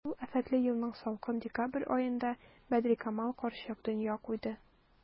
Шул афәтле елның салкын декабрь аенда Бәдрикамал карчык дөнья куйды.